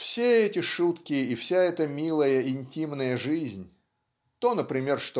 Все эти шутки и вся эта милая интимная жизнь (то например